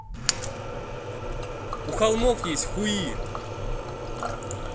у холмов есть хуи